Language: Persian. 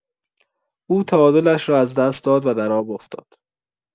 او تعادلش را از دست داد و در آب افتاد.